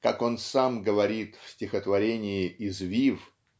как он сам говорит в стихотворении "Извив" .